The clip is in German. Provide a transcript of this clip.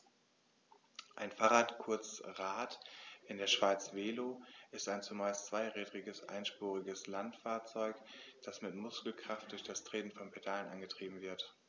Ein Fahrrad, kurz Rad, in der Schweiz Velo, ist ein zumeist zweirädriges einspuriges Landfahrzeug, das mit Muskelkraft durch das Treten von Pedalen angetrieben wird.